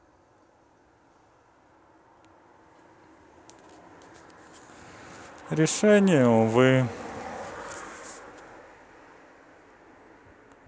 решение увы